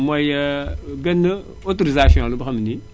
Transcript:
mooy benn autoristion la boo xam ne nii